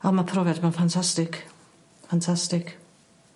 Wel ma'r profiad 'ma'n fantastic fantastic.